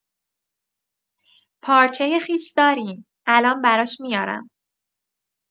پارچه خیس داریم، الان براش میارم.